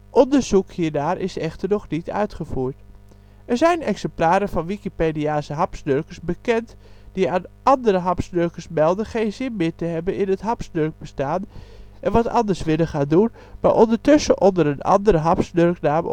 Onderzoek hiernaar is echter nog niet uitgevoerd. Er zijn exemplaren van Wikipediaanse hapsnurkers bekend die aan andere hapsnurkers melden geen zin meer te hebben in het hapsnurkbestaan en wat anders te willen gaan doen, maar ondertussen onder een andere hapsnurknaam